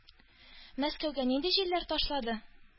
Мәскәүгә нинди җилләр ташлады?